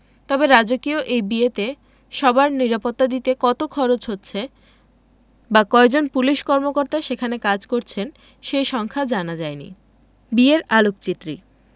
তবে রাজকীয় এই বিয়েতে সবার নিরাপত্তা দিতে কত খরচ হচ্ছে বা কয়জন পুলিশ কর্মকর্তা সেখানে কাজ করছেন সেই সংখ্যা জানা যায়নি বিয়ের আলোকচিত্রী